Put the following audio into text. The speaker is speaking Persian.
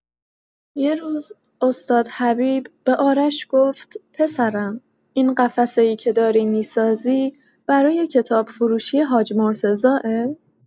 یه روز استاد حبیب به آرش گفت: پسرم، این قفسه‌ای که داری می‌سازی، برای کتاب‌فروشی حاج مرتضی‌ئه؟